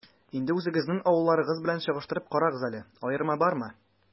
Инде үзегезнең авылларыгыз белән чагыштырып карагыз әле, аерма бармы?